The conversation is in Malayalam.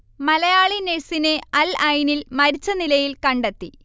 മലയാളി നേഴ്‌സിനെ അൽഐനിൽ മരിച്ച നിലയിൽ കണ്ടെത്തി